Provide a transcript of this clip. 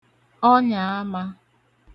ọnyàamā